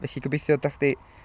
Felly gobeithio dach chi 'di...